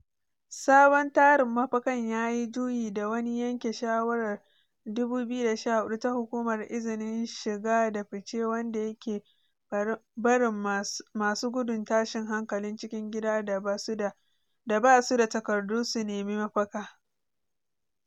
Sabon tsarin mafakan ya yi juyi da wani yanke shawarar 2014 ta Hukumar Izinin Shiga da Fice wanda ya ke barin masu gudun tashin hankalin cikin gida da ba su da takardu su nemi mafaka.